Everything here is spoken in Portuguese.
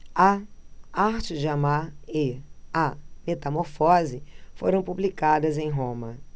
a arte de amar e a metamorfose foram publicadas em roma